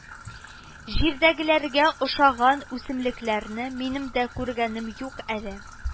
Җирдәгеләргә охшаган үсемлекләрне минем дә күргәнем юк әле